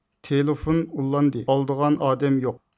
تېلېفون ئۇلاندى ئالىدىغان ئادەم يوق